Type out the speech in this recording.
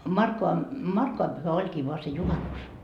Markkovan Markkovan pyhä olikin vain se juhannus